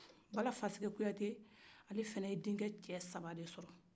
balafaseke kuyate ale fɛnɛ ye den cɛ saba de sɔrɔ